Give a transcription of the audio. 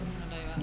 xaw na doy waar